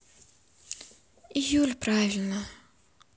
июль правильно